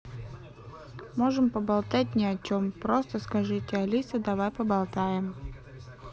можем поболтать ни о чем просто скажите алиса давай поболтаем